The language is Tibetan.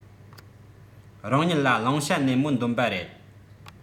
རང ཉིད ལ བླང བྱ ནན མོ འདོན པ རེད